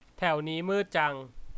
แถวนี้มืดจัง